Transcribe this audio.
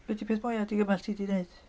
Be 'di peth mwya digymell ti 'di neud?